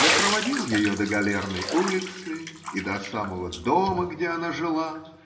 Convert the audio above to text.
Я проводил ее до Галерной улицы и до самого дома, где она жила.